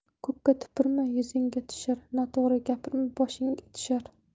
ko'kka tupurma yuzingga tushar noto'g'ri gapirma boshingga tushar